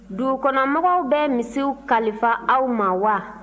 dugukɔnɔmɔgɔw bɛ misiw kalifa aw ma wa